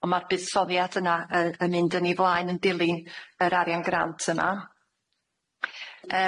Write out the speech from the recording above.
On' ma'r buddsoddiad yna yy yn mynd yn ei flaen yn dilyn yr arian grant yma.